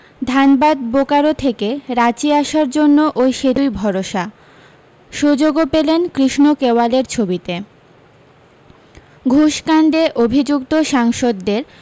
ধানবাদ বোকারো থেকে রাঁচি আসার জন্য ওই সেতুই ভরসা সু্যোগও পেলেন কৃষ্ণ কেওয়ালের ছবিতে ঘুষ কাণ্ডে অভি্যুক্ত সাংসদদের